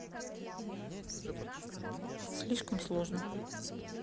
слишком сложно